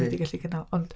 Wedi gallu gynnal ond...